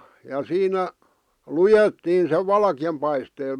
ja siinä luettiin sen valkean paisteella